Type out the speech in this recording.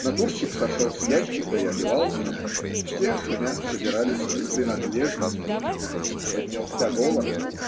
Натурщик сошел с ящика и одевался; все, шумя, собирали свои принадлежности. Поднялся говор.